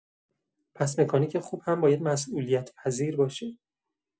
پس مکانیک خوب هم باید مسئولیت‌پذیر باشه.